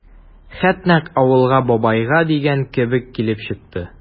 Хат нәкъ «Авылга, бабайга» дигән кебек килеп чыкты.